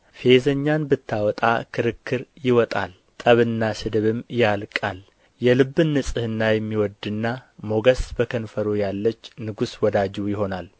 ፌዘኛን ብታወጣ ክርክር ይወጣል ጠብና ስድብም ያልቃል የልብን ንጽሕና የሚወድድና ሞገስ በከንፈሩ ያለች ንጉሥ ወዳጁ ይሆናል